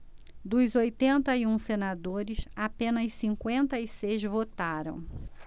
dos oitenta e um senadores apenas cinquenta e seis votaram